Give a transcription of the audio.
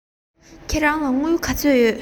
ཁྱེད རང ལ དངུལ ག ཚོད ཡོད